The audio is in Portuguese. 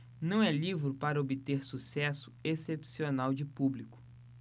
não é livro para obter sucesso excepcional de público